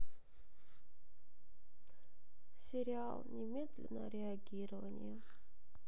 сериал немедленное реагирование